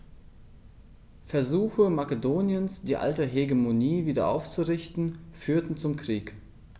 Versuche Makedoniens, die alte Hegemonie wieder aufzurichten, führten zum Krieg.